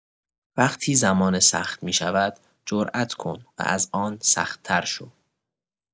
وقتی زمانه سخت می‌شود، جرأت کن و از آن سخت‌تر شو.